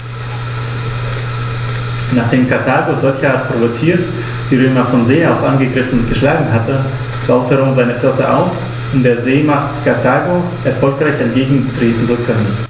Nachdem Karthago, solcherart provoziert, die Römer von See aus angegriffen und geschlagen hatte, baute Rom seine Flotte aus, um der Seemacht Karthago erfolgreich entgegentreten zu können.